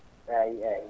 eeyi eeyi